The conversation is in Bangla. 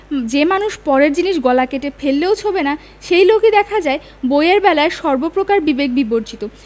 যে মানুষ পরের জিনিস গলা কেটে ফেললেও ছোঁবে না সেই লোকই দেখা যায় বইয়ের বেলায় সর্বপ্রকার বিবেক বিবর্জিত